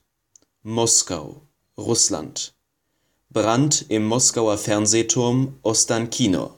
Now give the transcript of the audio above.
Moskau/Russland: Brand im Moskauer Fernsehturm Ostankino